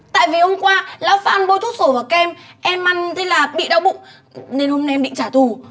tại vì hôm qua lão phan bôi thuốc sổ vào kem em ăn thế là bị đau bụng nên hôm nay em định trả thù